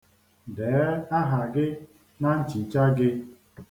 Dee aha gị na nchicha gị.